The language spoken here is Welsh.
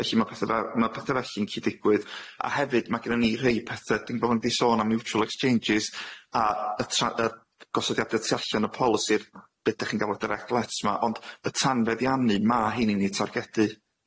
felly ma' pethe fe- ma' pethe felly'n gallu digwydd a hefyd ma' gynnon ni rhei pethe dwi'm bo' yn myn' i sôn am mutual exchanges a y tra- yy gosodiade tu allan o polisi'r be' dych chi'n ga'l o dyreclets ma' ond y tanfeddiannu ma' heiny'n i targedu,